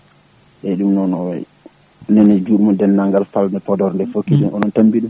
eyyi ɗum noon minen jurima dendagal falde Podor nde foof on tambiɗum